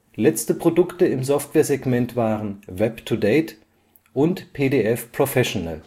Letzte Produkte im Software-Segment waren Web to date und PDF Professional